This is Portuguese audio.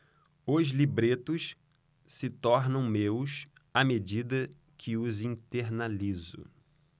os libretos se tornam meus à medida que os internalizo